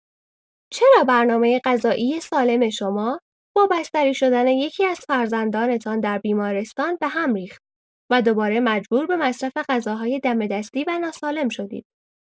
چرا برنامه غذایی سالم شما، با بستری‌شدن یکی‌از فرزندانتان در بیمارستان به هم ریخت و دوباره مجبور به مصرف غذاهای دم‌دستی و ناسالم شدید.